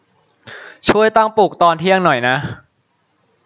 ช่วยตั้งปลุกตอนเที่ยงหน่อยนะ